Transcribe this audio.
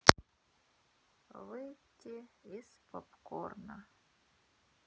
выйти из попкорна